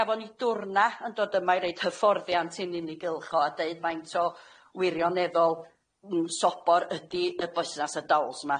Gafon ni dwrna yn dod yma i reid hyfforddiant i'n i'n i gylcho a deud faint o wirioneddol mm sobor ydi y bysnas y dolls yma.